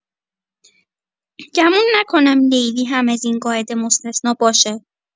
گمون نکنم لیلی هم از این قاعده مستثنی باشه.